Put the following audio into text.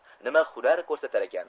nima hunar ko'rsatarkin